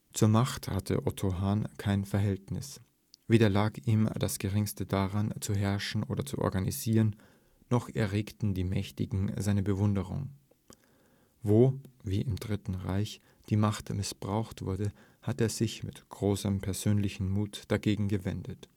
Zur Macht hatte Otto Hahn kein Verhältnis. Weder lag ihm das geringste daran zu herrschen oder zu organisieren, noch erregten die Mächtigen seine Bewunderung. Wo, wie im Dritten Reich, die Macht missbraucht wurde, hat er sich mit großem persönlichen Mut dagegen gewendet